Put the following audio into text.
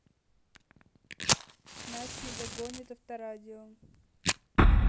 нас не догонят авторадио